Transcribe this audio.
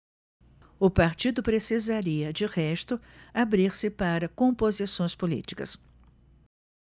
o partido precisaria de resto abrir-se para composições políticas